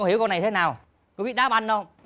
con hiểu câu này thế nào có biết đá banh hông